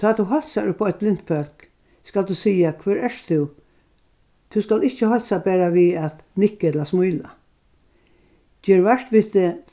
tá tú heilsar uppá eitt blint fólk skalt tú siga hvør ert tú tú skalt ikki heilsa bara við at nikka ella smíla ger vart við teg